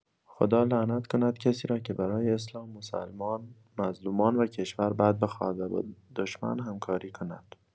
خدا لعنت کند کسی را که برای اسلام، مسلمان، مظلومان و کشور بد بخواد، و با دشمن همکاری کند.